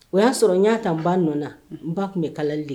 O y'a sɔrɔ n y'a ta nbba nɔ na, n ba tun bɛ kalali de kɛ.